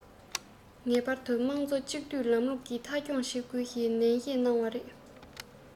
ངེས པར དུ དམངས གཙོ གཅིག སྡུད ལམ ལུགས མཐའ འཁྱོངས བྱེད དགོས ཞེས ནན བཤད གནང བ རེད